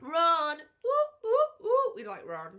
Ron! Ww! Ww! Ww! We like Ron.